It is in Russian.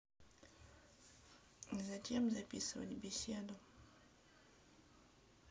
зачем записывать беседу